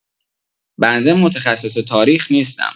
بنده متخصص تاریخ نیستم.